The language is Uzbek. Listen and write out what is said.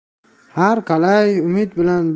har qalay umid bilan